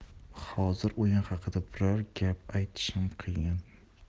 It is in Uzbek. hozir o'yin haqida biror gap aytishim qiyin